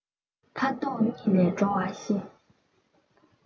ཁ དོག ཉིད ལས བྲོ བ ཤེས